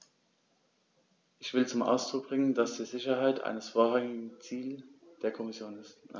Ich will zum Ausdruck bringen, dass die Sicherheit ein vorrangiges Ziel der Kommission ist.